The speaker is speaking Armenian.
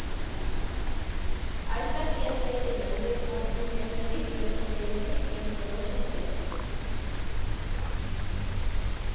Այստեղ ես եկել եմ և գործընկերներիս, և ընկերներիս և կնոջս հետ։